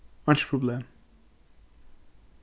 einki problem